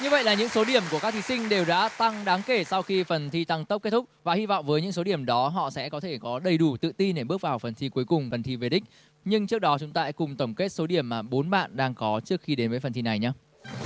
như vậy là những số điểm của các thí sinh đều đã tăng đáng kể sau khi phần thi tăng tốc kết thúc và hy vọng với những số điểm đó họ sẽ có thể có đầy đủ tự tin để bước vào phần thi cuối cùng phần thi về đích nhưng trước đó chúng ta hãy cùng tổng kết số điểm mà bốn bạn đang có trước khi đến với phần thi này nhé